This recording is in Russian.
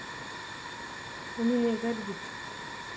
у меня горит